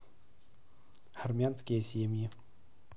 армянские семьи